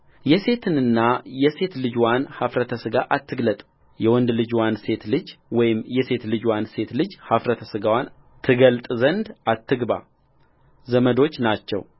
የሴትንና የሴት ልጅዋን ኃፍረተ ሥጋ አትግለጥ የወንድ ልጅዋን ሴት ልጅ ወይም የሴት ልጅዋን ሴት ልጅ ኃፍረተ ሥጋዋን ትግለጥ ዘንድ አታግባ ዘመዶች ናቸው